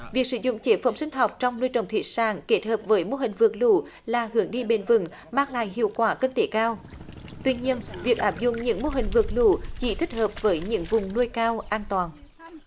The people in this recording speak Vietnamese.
việc sử dụng chế phẩm sinh học trong nuôi trồng thủy sản kết hợp với mô hình vượt lũ là hướng đi bền vững mang lại hiệu quả kinh tế cao tuy nhiên việc áp dụng những mô hình vượt lũ chỉ thích hợp với những vùng nuôi cao an toàn